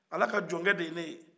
a la ka jɔnkɛ de ye ne ye